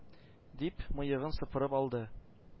Дип, мыегын сыпырып алды.